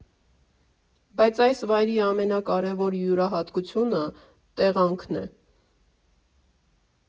Բայց այս վայրի ամենակարևոր յուրահատկությունը տեղանքն է.